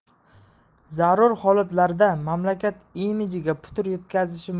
zarur holatlarda mamlakat imijiga putur yetkazishi